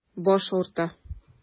Баш авырта.